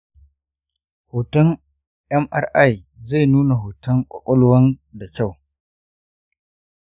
hoton mri zai nuna hoton ƙwaƙwalwan da kyau.